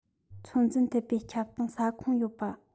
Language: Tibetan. ཚོད འཛིན ཐེབས པའི ཁྱབ སྟངས ས ཁོངས ཡོད པ